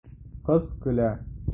Кыз көлә.